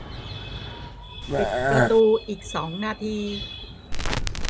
ปิดประตูอีกสองนาที